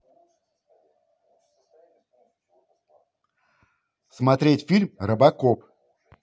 смотреть фильм робокоп